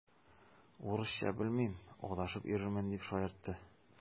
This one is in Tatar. Урысча белмим, адашып йөрермен, дип шаяртты.